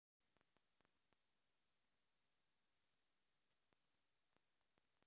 десятка самых страшных